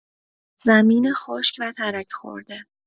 زمین خشک و ترک‌خورده